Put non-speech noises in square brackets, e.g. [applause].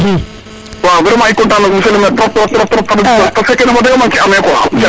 waaw vraiment i content na no monsieur le maire :fre trop trop [unintelligible]